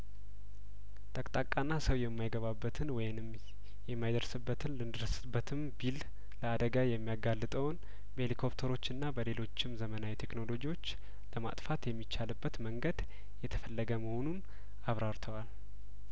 ጠቅጣቃና ሰው የማይገባበትን ወይንም የማይደርስበትን ልደርስበትም ቢል ለአደጋ የሚያጋልጠውን በሂሊኮፕተሮችና በሌሎችም ዘመናዊ ቴክኖሎጂዎች ለማጥፋት የሚቻልበት መንገድ እየተፈለገ መሆኑን አብራርተዋል